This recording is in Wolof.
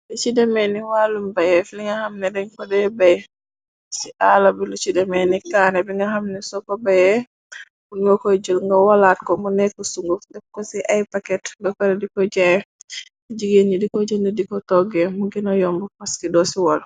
Li cidemeni wàllum bayeef, li nga xamni reñ ko de bay ci aala bi, lu cidemenik taane bi nga xamni soko baye, bu ño koy jël nga walaako mu nekk sunguf, dek ko ci ay paket, ba kare diko jaay, jigéen yi di ko jënd diko togge, mu gëna yomb paski doo ci wal.